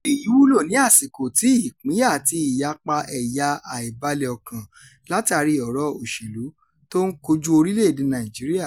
Èyí wúlò ní àsìkò tí ìpínyà àti ìyapa ẹ̀yà, àìbalẹ̀-ọkàn látàrí ọ̀rọ̀ òṣèlú tó ń kojúu orílẹ̀-èdèe Nàìjíríà.